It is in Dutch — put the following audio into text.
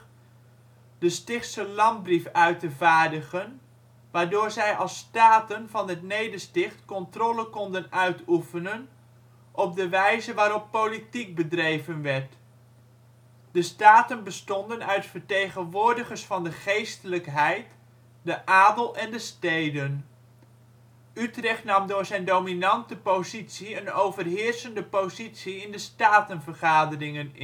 Stichtse Landbrief uit te vaardigen, waardoor zij als Staten van het Nedersticht controle konden uitoefenen op de wijze waarop politiek bedreven werd. De Staten bestonden uit vertegenwoordigers van de geestelijkheid, de adel en de steden. Utrecht nam door zijn dominante positie een overheersende positie in de Statenvergaderingen in